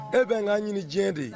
E bɛ n ka ɲini diɲɛ de ye